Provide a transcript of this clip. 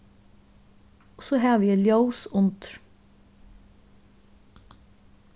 og so havi eg ljós undir